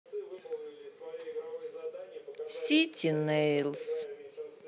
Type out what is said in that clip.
сити нейлс